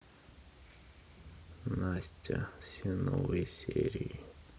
настя все новые серии